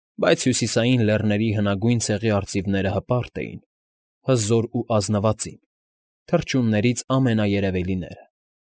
Բայց հյուսիսային լեռների հնագույն ցեղի արծիվները հպարտ էին, հզոր ու ազնվածին՝ թռչուններից ամենաերևելիները։